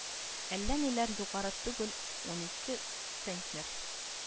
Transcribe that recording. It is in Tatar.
Әлләни югары түгел унике центнер